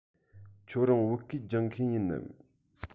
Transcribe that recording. ཁྱོད རང བོད སྐད སྦྱོང མཁན ཡིན ནམ